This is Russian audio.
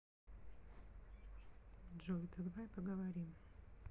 джой давай поговорим